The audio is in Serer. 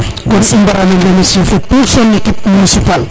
kon i mbra no remercier fo tout son équipe minicipal